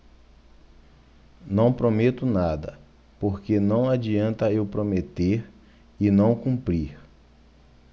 não prometo nada porque não adianta eu prometer e não cumprir